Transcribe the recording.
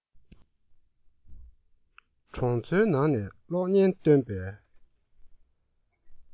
གྲོང ཚོའི ནང ནས གློག བརྙན སྟོན པའི